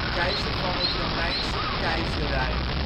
keizer van het Romeinse Keizerrijk